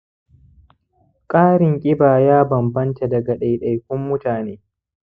ƙarin ƙiba ya bam-banta daga ɗai-ɗai kun mutane